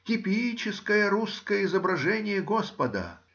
Типическое русское изображение господа